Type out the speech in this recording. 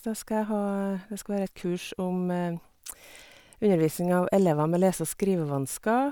da skal jeg ha Det skal være et kurs om undervisning av elever med lese- og skrivevansker.